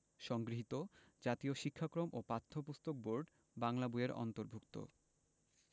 সংগৃহীত জাতীয় শিক্ষাক্রম ও পাঠ্যপুস্তক বোর্ড বাংলা বই এর অন্তর্ভুক্ত